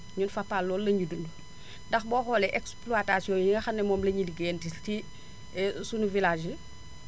ñun Fapal loolu lañuy dund ndax boo xoolee exploitation yi nga xam ne moom lañuy ligéeyante ci suñu village yi